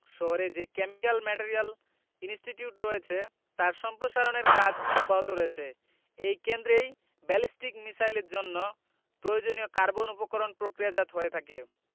শহরে যে chemical material institute রয়েছে তার সম্প্রসারণের কাজ অব্যাহত রয়েছে এই কেন্দ্রেই ব্যালিস্টিক মিসাইলের জন্য প্রয়োজনীয় কার্বন উপকরণ প্রক্রিয়াজাত হয়ে থাকে